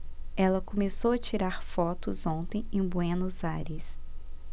ela começou a tirar fotos ontem em buenos aires